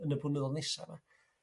Yn y blynyddo'dd nesa' 'ma.